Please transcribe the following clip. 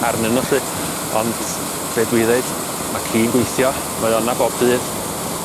arnyn nw 'lly ond be' dwi ddeud ma' ci'n gweithio mae o yna bob dydd.